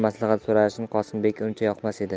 maslahat so'rashi qosimbekka uncha yoqmas edi